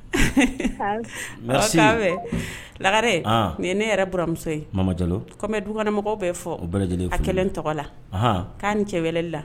Lare nin ye ne yɛrɛ bmuso ye duɛmɔgɔ bɛ fɔ kelen tɔgɔ la k'a cɛwalelila